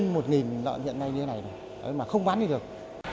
một nghìn lợn hiện nay như này rồi ấy mà không bán đi được